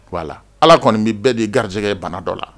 Wala ala kɔni bɛ bɛɛ dii garijɛgɛ bana dɔ la